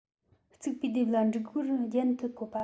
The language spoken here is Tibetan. རྩིག པའི ལྡེབས ལ འབྲུག སྒོར རྒྱན དུ བཀོད པ